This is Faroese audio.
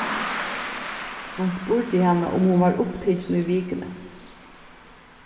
hann spurdi hana um hon var upptikin í vikuni